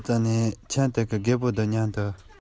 ཤེས རྒྱུ ཕར ཞོག བསམ བློ ཅི ཙམ